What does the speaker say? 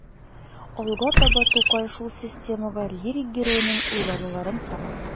Алга таба Тукай шул системага лирик геройның уйлануларын сала.